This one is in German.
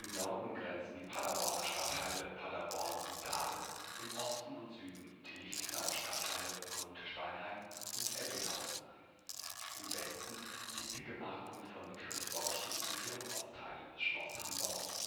Norden grenzen die Paderborner Stadtteile Paderborn und Dahl, im Osten und Süden die Lichtenauer Stadtteile Grundsteinheim und Ebbinghausen an. Im Westen liegt die Gemarkung von Kirchborchen mit ihrem Ortsteil Schloß Hamborn